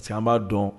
Parce que an b'a dɔn